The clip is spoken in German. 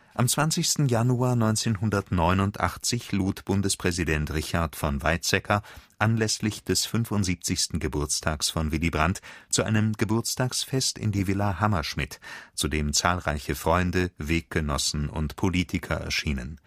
20. Januar 1989 lud Bundespräsident Richard von Weizsäcker anlässlich des 75. Geburtstags von Willy Brandt zu einem Geburtstagsfest in die Villa Hammerschmidt, zu dem zahlreiche Freunde, Weggenossen und Politiker erschienen